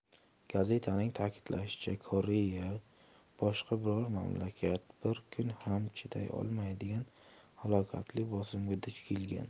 gazetaning ta'kidlashicha korea boshqa biror mamlakat bir kun ham chiday olmaydigan halokatli bosimga duch kelgan